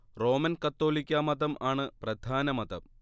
Roman കത്തോലിക്കാ മതം ആണ് പ്രധാന മതം